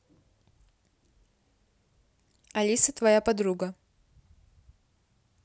алиса тоже твоя подруга